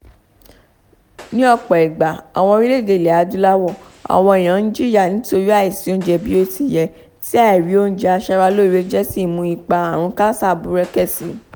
Ní ọ̀pọ̀ àwọn orílẹ̀-èdè ilẹ̀ Adúláwọ̀ àwọn èèyàn ń jẹ́yà nítorí àìsí oúnjẹ bí ó ti yẹ, tí àìrí oúnjẹ aṣaralóore jẹ́ sì ń mú ipa àrùn KASA búrẹ́kẹ́ síi.